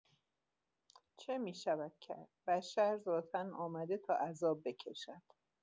چه می‌شود کرد، بشر ذاتا آمده تا عذاب بکشد.